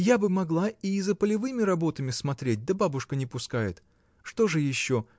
— Я бы могла и за полевыми работами смотреть, да бабушка не пускает. Что же еще?